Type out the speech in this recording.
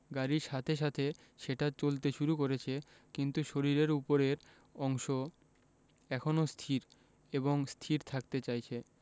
গাড়ির সাথে সাথে সেটা চলতে শুরু করেছে কিন্তু শরীরের ওপরের অংশ এখনো স্থির এবং স্থির থাকতে চাইছে